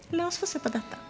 la oss få se på dette.